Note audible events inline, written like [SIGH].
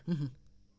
[HESITATION] [HESITATION]